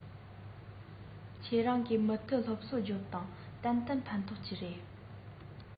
ཁྱེད རང གིས མུ མཐུད སློབ གསོ རྒྱོབས དང གཏན གཏན ཕན ཐོགས ཀྱི རེད